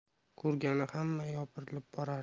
ko'rgani hamma yopirilib borardi